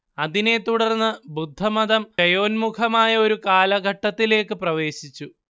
അതിനെ തുടർന്ന് ബുദ്ധമതം ക്ഷയോന്മുഖമായ ഒരു കാലഘട്ടത്തിലേക്ക് പ്രവേശിച്ചു